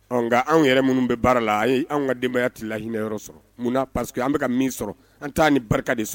Anw yɛrɛ minnu bɛ baara la a an ka denbayaya ti la hinɛinɛ yɔrɔ sɔrɔ mun passeke an bɛka ka min sɔrɔ an t' ni barika de sɔrɔ